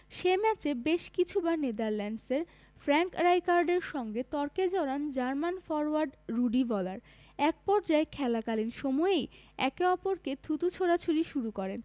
সে ম্যাচে বেশ কিছুবার নেদারল্যান্ডসের ফ্র্যাঙ্ক রাইকার্ডের সঙ্গে তর্কে জড়ান জার্মান ফরোয়ার্ড রুডি ভলার একপর্যায়ে খেলা চলাকালীন সময়েই একে অপরকে থুতু ছোড়াছুড়ি শুরু করেন